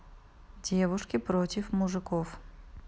девушки против мужиков